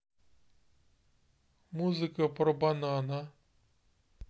музыка про банана